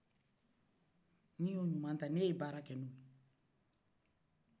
ne ye o ɲuman ta ne ye baara kɛ n'oye